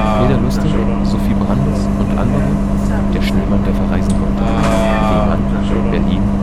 Peter Lustig, Sophie Brandes, u. a.: Der Schneemann, der verreisen wollte. W. Mann, Berlin